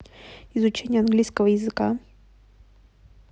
изучение английского языка